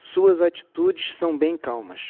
suas atitudes são bem calmas